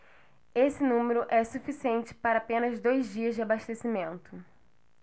esse número é suficiente para apenas dois dias de abastecimento